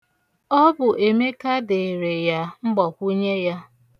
Ọ bụ Emeka deere ya mgbakwụnye ya.